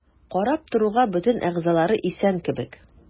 Карап торуга бөтен әгъзалары исән кебек.